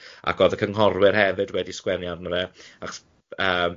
Ac o'dd y cynghorwyr hefyd wedi sgwennu arno fe achs- yym